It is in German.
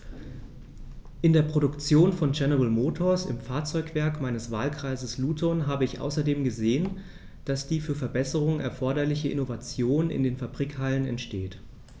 In der Produktion von General Motors, im Fahrzeugwerk meines Wahlkreises Luton, habe ich außerdem gesehen, dass die für Verbesserungen erforderliche Innovation in den Fabrikhallen entsteht.